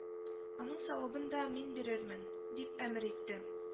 Аның савабын да мин бирермен, – дип әмер итте